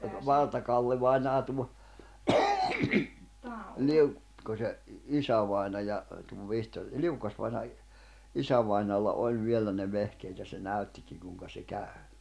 Valtakalle-vainaja tuo - Liukkosen isävainaja tuon Vihtori Liukkos-vainaja isävainajalla oli vielä ne vehkeet ja se näyttikin kuinka se käy